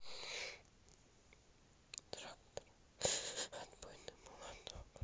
трактор отбойный молоток